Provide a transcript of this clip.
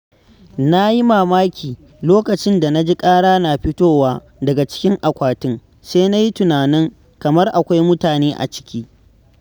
Na yi mamaki lokacin da na ji ƙara na fitowa daga cikin akwatin, sai na yi tunanin kamar akwai mutane a ciki.